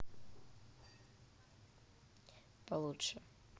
получше